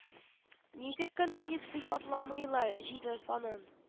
Ничек кенә дип сыйфатламыйлар җиде санын